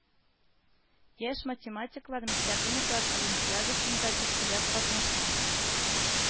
Яшь математиклар Мөстәкыймовлар олимпиадасында бик теләп катнаша